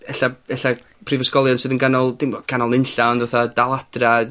...ella, ella prifysgolion sydd yn ganol, dim canol nunlla, ond fatha dal adra...